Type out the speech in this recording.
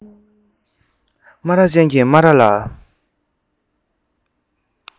སྨ ར ཅན གྱི སྨ ར ལ